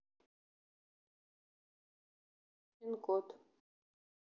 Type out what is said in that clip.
пин код